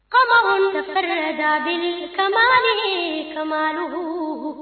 Faamakun tɛ da ka mindugu